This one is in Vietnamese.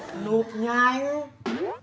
nộp nhanh